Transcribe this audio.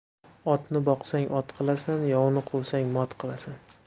otni boqsang ot qilasan yovni quvsang mot qilasan